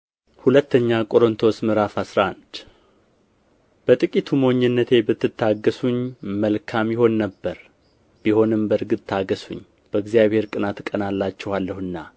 ሁለተኛ ቆሮንቶስ ምዕራፍ አስራ አንድ በጥቂቱ ሞኝነቴ ብትታገሡኝ መልካም ይሆን ነበር ቢሆንም በእርግጥ ታገሡኝ በእግዚአብሔር ቅንዓት እቀናላችኋለሁና